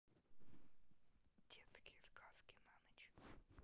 детские сказки на ночь